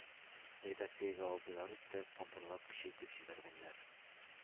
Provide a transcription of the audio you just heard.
Редакциядәге абыйлар өстәп, матурлап, көчәйтеп җибәргәннәр.